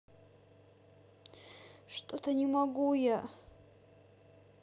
что то не могу я